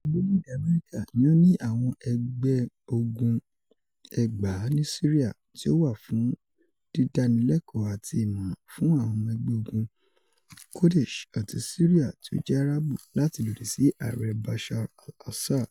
Orilẹ ede Amẹrika ni o ni awọn ẹgbẹ ogun 2,000 ni Siria, ti o wa fun didanilẹkọ ati imọran fun awọn ọmọ ẹgbẹ ogun Kurdish ati Siria ti o jẹ Arabu lati lodi si Aare Bashar al-Assad.